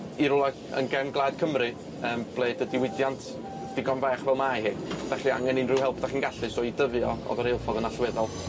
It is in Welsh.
i rywla yn gefn gwlad Cymru yym ble dy- diwydiant digon bach fel mae hi, 'dach chi angen unrhyw help 'dach chi'n gallu so i dyfi o o'dd yr reilffordd yn allweddol.